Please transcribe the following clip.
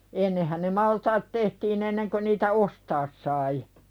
ennenhän ne maltaat tehtiin ennen kuin niitä ostaa sai